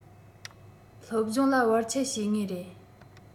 སློབ སྦྱོང ལ བར ཆད བྱེད ངེས རེད